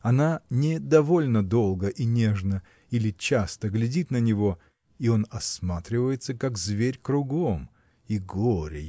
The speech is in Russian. она не довольно долго и нежно или часто глядит на него и он осматривается как зверь кругом – и горе